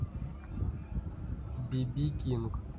би би кинг